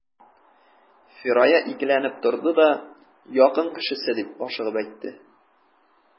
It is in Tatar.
Фирая икеләнеп торды да: — Якын кешесе,— дип ашыгып әйтте.